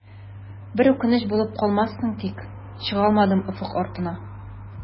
Бер үкенеч булып калмассың тик, чыгалмадым офык артына.